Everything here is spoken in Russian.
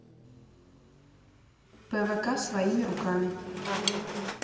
пвк своими руками